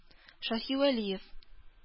Шаһивәлиев